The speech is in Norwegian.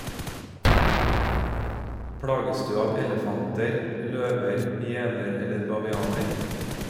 Plages du av elefanter , løver , hyener eller bavianer?